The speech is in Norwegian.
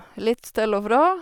Litt til og fra.